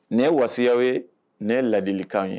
Nin ye wasiyaw ye, nin ye ladilikan ye.